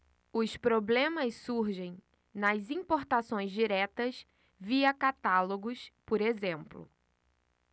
os problemas surgem nas importações diretas via catálogos por exemplo